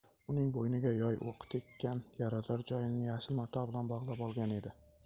uning bo'yniga yoy o'qi tek kan yarador joyini yashil mato bilan bog'lab olgan edi